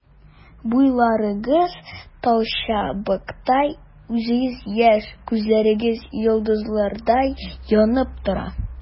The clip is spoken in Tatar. Буйларыгыз талчыбыктай, үзегез яшь, күзләрегез йолдызлардай янып тора.